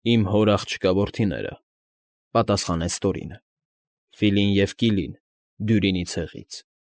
Իմ հոր աղջկա որդիները,֊ պատասխանեց Տորինը,֊ Ֆիլին և Կիլին՝ Դյուրինի ցեղից։